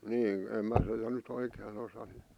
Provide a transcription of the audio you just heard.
niin en minä sitä nyt oikein osannut